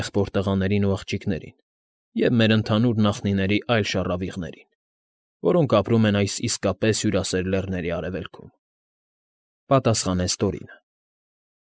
Եղբոր տղաներին ու աղջիկներին և մեր ընդհանուր նախնիների այլ շառավիղներին, որոնք ապրում են այս իսկապես հյուրասեր լեռների արևելքում,֊ պատասխանեց Տորինը։